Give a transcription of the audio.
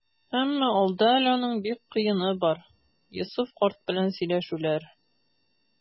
Әмма алда әле аның бик кыены бар - Йосыф карт белән сөйләшүләр.